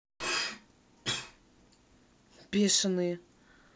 бешенные